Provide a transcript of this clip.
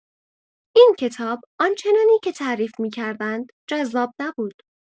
این کتاب آنچنانی که تعریف می‌کردند جذاب نبود.